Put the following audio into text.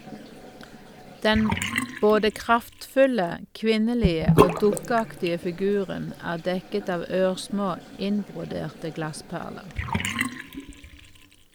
Den både kraftfulle, kvinnelige og dukkeaktige figuren er dekket av ørsmå, innbroderte glassperler.